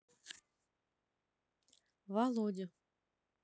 володю